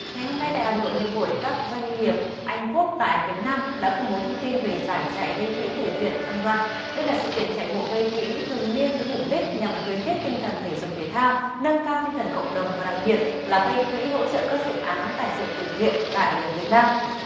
ngày hôm nay tại hà nội hiệp hội các doanh nghiệp anh quốc tại việt nam đã công bố thông tin về giải chạy gây quỹ từ thiện phan răn đây là sự kiện chạy bộ gây quỹ thường niên với mục đích nhằm khuyến khích tinh thần thể dục thể thao nâng cao tinh thần cộng đồng và đặc biệt là gây quỹ hỗ trợ các dự án tài trợ từ thiện tại việt nam